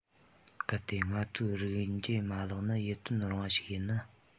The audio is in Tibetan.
གལ ཏེ ང ཚོའི རིགས འབྱེད མ ལག ནི ཡིད རྟོན རུང བ ཞིག ཡིན ན